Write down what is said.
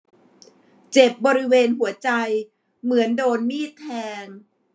เจ็บบริเวณหัวใจเหมือนโดนมีดแทง